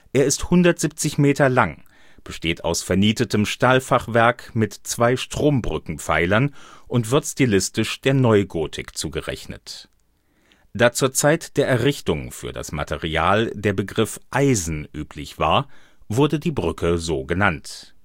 Er ist 170 m lang, besteht aus vernietetem Stahlfachwerk mit zwei Strombrückenpfeilern und wird stilistisch der Neugotik zugerechnet. Da zur Zeit der Errichtung für das Material der Begriff „ Eisen “üblich war, wurde die Brücke so genannt